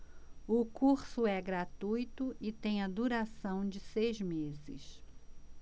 o curso é gratuito e tem a duração de seis meses